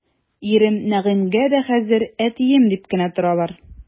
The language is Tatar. Ирем Нәгыймгә дә хәзер әтием дип кенә торалар.